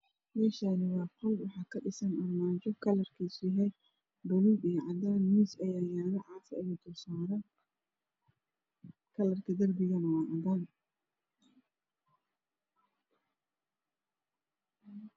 Mashani waa qol waxaa ka dhisan armajo kalarkisu yahay baluug iyo cadan miis ayaa mesha yalo cafi ayaa dul saran kalarka derbigana waa cadan